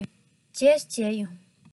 རྗེས སུ མཇལ ཡོང